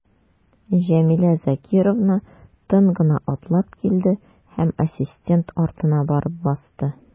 Җәмилә Закировна тын гына атлап килде һәм ассистент артына барып басты.